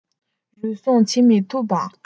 རུལ སུངས བྱེད མི ཐུབ པ